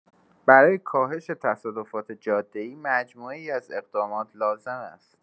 برای کاهش تصادفات جاده‌ای، مجموعه‌ای از اقدامات لازم است.